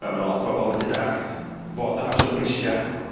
Fel ma' 'na lot o bobol methu dallt fod 'na ffasiwn brisia'